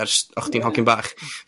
ers o' chdi'n hogyn bach.